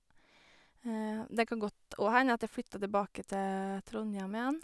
Det kan godt òg hende at jeg flytter tilbake til Trondhjem igjen.